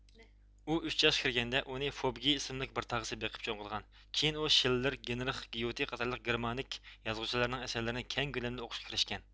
ئۇ ئۈچ ياشقا كىرگەندە ئۇنى فوبگې ئىسىملىك بىر تاغىسى بېقىپ چوڭ قىلغان كىيىن ئۇ شىللېر گېنىرخ گيۇتى قاتارلىق گېرمانىك يازغۇچىلارنىڭ ئەسەرلىرىنى كەڭ كۆلەمدە ئوقۇشقا كىرىشكەن